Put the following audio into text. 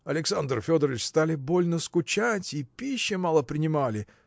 – Александр Федорыч стали больно скучать и пищи мало принимали